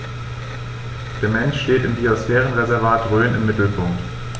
Der Mensch steht im Biosphärenreservat Rhön im Mittelpunkt.